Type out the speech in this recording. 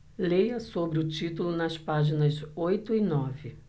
leia sobre o título nas páginas oito e nove